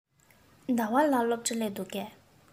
ཟླ བ ལགས སློབ གྲྭར སླེབས འདུག གས